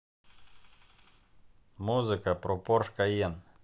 музыка про порш кайен